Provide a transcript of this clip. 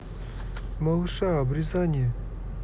малыша обрезание